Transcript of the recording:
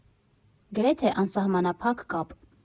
Գրեթե անսահմանափակ կապ։